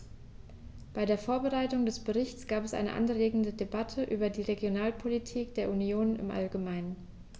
Bei der Vorbereitung des Berichts gab es eine anregende Debatte über die Regionalpolitik der Union im allgemeinen.